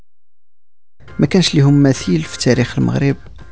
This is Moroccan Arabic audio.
مكس لهم مثيل في تاريخ المغرب